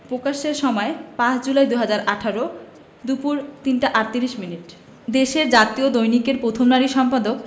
পকাশের সময় ৫ জুলাই ২০১৮ দুপুর ৩টা ৩৮ মিনিট বাংলাদেশ সংবাদ দেশের জাতীয় দৈনিকের প্রথম নারী সম্পাদক